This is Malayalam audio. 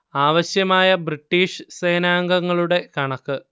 ആവശ്യമായ ബ്രിട്ടീഷ് സേനാംഗങ്ങളുടെ കണക്ക്